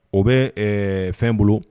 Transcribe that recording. O bɛ fɛn bolo